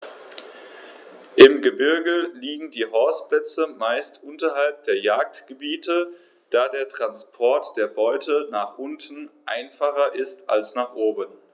Im Gebirge liegen die Horstplätze meist unterhalb der Jagdgebiete, da der Transport der Beute nach unten einfacher ist als nach oben.